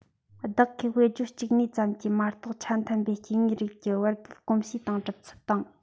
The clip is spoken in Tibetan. བདག གིས དཔེར བརྗོད གཅིག གཉིས ཙམ གྱིས མ གཏོགས ཆ མཐུན པའི སྐྱེ དངོས རིགས ཀྱི བར བརྒལ གོམས གཤིས དང གྲུབ ཚུལ དང